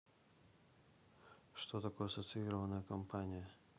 что такое социированная компания